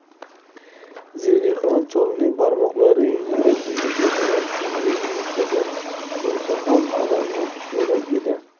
zelixon cholning barmoqlari yuziga tegishi bilan ko'ngli yumshagan bo'lsa ham alamdan tushmagan edi